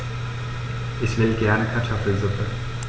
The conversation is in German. Ich will gerne Kartoffelsuppe.